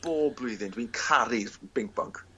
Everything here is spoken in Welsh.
Bob blwyddyn dwi'n caru'r Binc Bonc.